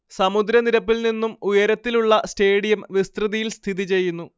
സമുദ്ര നിരപ്പിൽ നിന്നും ഉയരത്തിലുള്ള സ്റ്റേഡിയം വിസ്തൃതിയിൽ സ്ഥിതിചെയ്യുന്നു